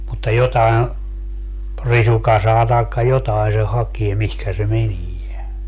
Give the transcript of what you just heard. mutta jotakin risukasaa tai jotakin se hakee mihin se menee